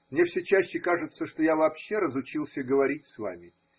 Мне все чаще кажется, что я вообще разучился говорить с вами.